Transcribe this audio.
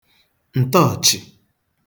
ǹtọọ̀chị̀